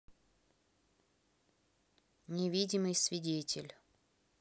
невидимый свидетель